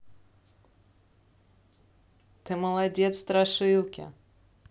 ты молодец страшилки